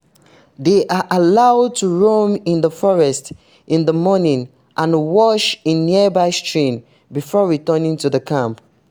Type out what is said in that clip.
They are allowed to roam in the forest in the morning and wash in a nearby stream before returning to the camp.